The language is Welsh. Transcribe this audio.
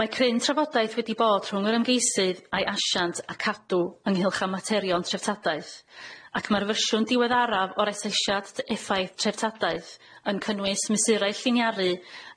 Mae cryn trafodaeth wedi bod rhwng yr ymgeisydd a'i asiant a cadw ynghylch y materion treftadaeth ac ma'r fersiwn diweddaraf o'r asesiad t- effaith treftadaeth yn cynnwys mesurau lliniaru